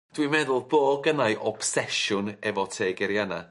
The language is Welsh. Dwi'n meddwl bo' gynnai obsesiwn efo teg eriana